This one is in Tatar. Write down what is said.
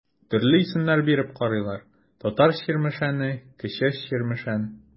Төрле исемнәр биреп карыйлар: Татар Чирмешәне, Кече Чирмешән.